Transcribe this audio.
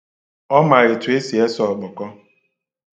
Ọ ma etu e si ese ọkpọkọ.